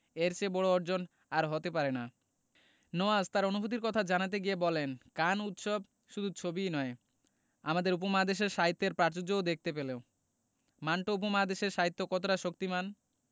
এর চেয়ে বড় অর্জন আর হতে পারে না নওয়াজ তার অনুভূতির কথা জানাতে গিয়ে বলেন কান উৎসব শুধু ছবিই নয় আমাদের উপমহাদেশের সাহিত্যের প্রাচুর্যও দেখতে পেল মান্টো উপমহাদেশের সাহিত্যে কতটা শক্তিমান